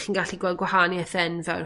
Chi'n gallu gweld gwahaniaeth enfawr.